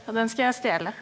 ja den skal jeg stjele.